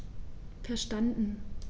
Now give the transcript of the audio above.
Verstanden.